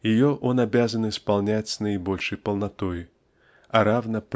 Ее он обязан исполнять с наибольшей полнотой а равно